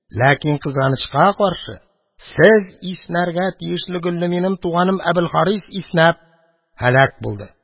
Ләкин, кызганычка каршы, сез иснәргә тиешле гөлне минем туганым Әбелхарис иснәп һәлак булды.